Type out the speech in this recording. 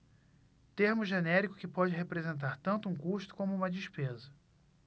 termo genérico que pode representar tanto um custo como uma despesa